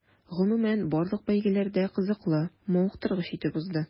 Гомумән, барлык бәйгеләр дә кызыклы, мавыктыргыч итеп узды.